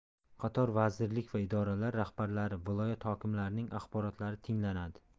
qator vazirlik va idoralar rahbarlari viloyat hokimlarining axborotlari tinglandi